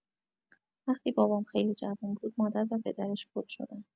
وقتی بابام خیلی جوون بود مادر و پدرش فوت شدن